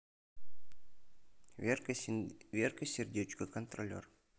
верка сердючка контролер